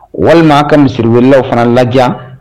Walimaan ka misiriwlaw fana ladiya